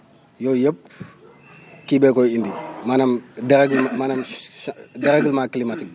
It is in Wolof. yooyu yëpp kii bee koy indi maanaam dérégle maanaam chan déréglement climatique bi